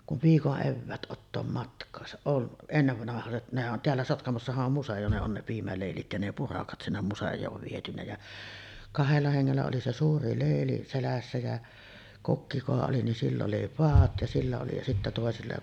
kun viikon eväät ottaa matkaansa on ennenvanhaiset nehän on täällä Sotkamossahan on museo ne on ne piimäleilit ja ne purakat sinne museoon viety ja kahdella hengellä oli se suuri leili selässä ja kokki kuka oli niin sillä oli padat ja sillä oli ja sitten toisilla